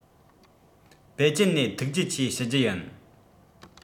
པེ ཅིན ནས ཐུགས རྗེ ཆེ ཞུ རྒྱུ ཡིན